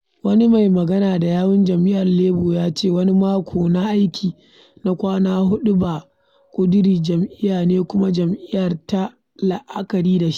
Wani mai magana da yawun Jam'iyyar Labour ya ce: Wani mako na aiki na kwana huɗu ba ƙudurin jam'iyya ne kuma jam'iyyar ma ta la'akari da shi.'